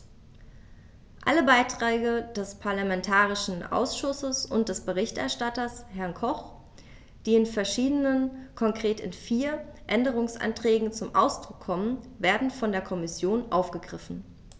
Alle Beiträge des parlamentarischen Ausschusses und des Berichterstatters, Herrn Koch, die in verschiedenen, konkret in vier, Änderungsanträgen zum Ausdruck kommen, werden von der Kommission aufgegriffen.